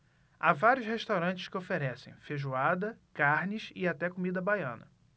há vários restaurantes que oferecem feijoada carnes e até comida baiana